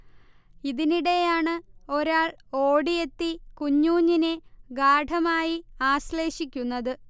ഇതിനിടെയാണ് ഒരാൾ ഓടിയെത്തി കുഞ്ഞൂഞ്ഞിനെ ഗാഢമായി ആശ്ളേഷിക്കുന്നത്